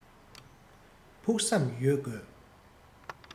ཕུགས བསམ ཡོད དགོས